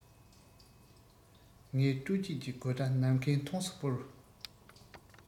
ངས སྤྲོ སྐྱིད ཀྱི དགོད སྒྲ ནམ མཁའི མཐོངས སུ སྤུར